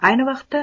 ayni vaqtda